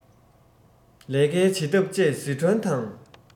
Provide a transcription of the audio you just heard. ལས ཀའི བྱེད ཐབས བཅས སི ཁྲོན དང